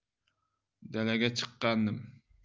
dalaga chiqqandim